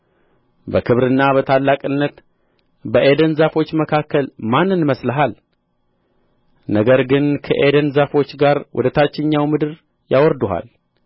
በክብርና በታላቅነት በዔድን ዛፎች መካከል ማንን መስለሃል ነገር ግን ከዔድን ዛፎች ጋር ወደ ታችኛው ምድር ያወርዱሃል